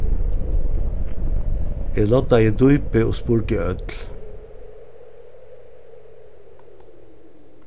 eg loddaði dýpið og spurdi øll